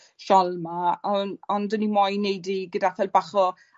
shawl 'ma. On- ond o'n i moyn neud 'i gyda ffel bach o